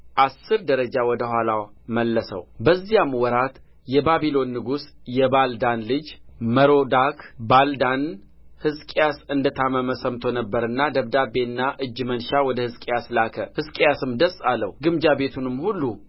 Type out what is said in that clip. አሥር ደረጃ ወደ ኋላ መለሰው በዚያም ወራት የባቢሎን ንጉሥ የባልዳን ልጅ መሮዳክ ባልዳን ሕዝቅያስ እንደ ታመመ ሰምቶ ነበርና ደብዳቤና እጅ መንሻ ወደ ሕዝቅያስ ላከ ሕዝቅያስም ደስ አለው ግምጃ ቤቱንም ሁሉ